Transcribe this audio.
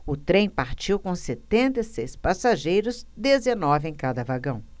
o trem partiu com setenta e seis passageiros dezenove em cada vagão